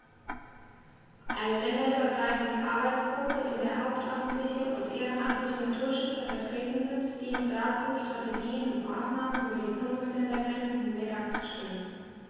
Eine länderübergreifende Arbeitsgruppe, in der hauptamtliche und ehrenamtliche Naturschützer vertreten sind, dient dazu, Strategien und Maßnahmen über die Bundesländergrenzen hinweg abzustimmen.